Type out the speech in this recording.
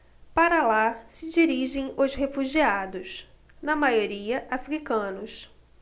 para lá se dirigem os refugiados na maioria hútus